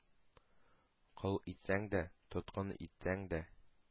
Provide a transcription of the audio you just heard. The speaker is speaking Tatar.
Кол итсәң дә, тоткын итсәң дә,